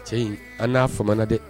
Cɛ in an n'a fa dɛ